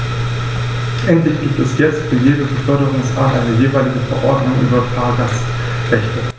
Endlich gibt es jetzt für jede Beförderungsart eine jeweilige Verordnung über Fahrgastrechte.